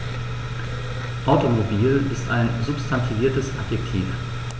Automobil ist ein substantiviertes Adjektiv.